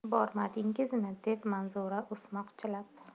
bormadingizmi dedi manzura o'smoqchilab